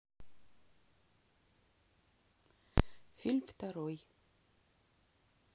фильм второй